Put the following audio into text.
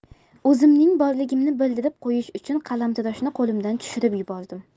o'zimning borligimni bildirib qo'yish uchun qalamtaroshni qo'limdan tushirib yubordim